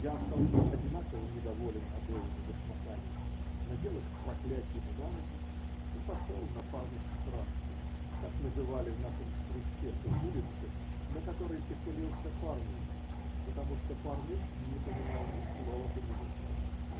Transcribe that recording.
Я остался одинаково недоволен обоими башмаками, надел их с проклятьями на ноги и пошел на Парныхштрассе: так называли в нашем кружке ту улицу, на которой поселился Парных, потому что Парных не понимал ни слова по-немецки.